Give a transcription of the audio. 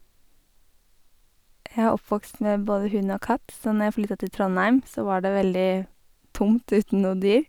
Jeg er oppvokst med både hund og katt, så når jeg flytta til Trondheim så var det veldig tungt uten noe dyr.